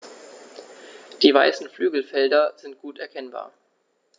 Die weißen Flügelfelder sind gut erkennbar.